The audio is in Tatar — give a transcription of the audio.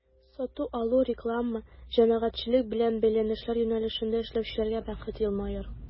Сату-алу, реклама, җәмәгатьчелек белән бәйләнешләр юнәлешендә эшләүчеләргә бәхет елмаер.